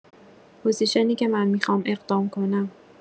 پوزیشنی که من می‌خوام اقدام کنم